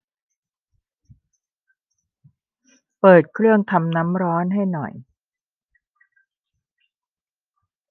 เปิดเครื่องทำน้ำร้อนให้หน่อย